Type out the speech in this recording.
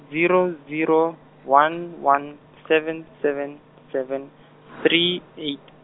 zero zero, one one, seven seven, seven, three eight.